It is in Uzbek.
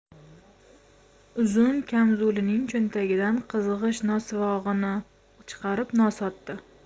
uzun kamzulining cho'ntagidan qizg'ish nosqovog'ini chiqarib nos otdi